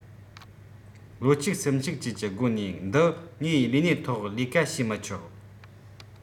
བློ གཅིག སེམས གཅིག བཅས ཀྱི སྒོ ནས འདི ངས ལས གནས ཐོག ལས ཀ བྱས མི ཆོག